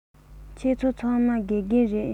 ཁྱེད ཚོ ཚང མ དགེ རྒན རེད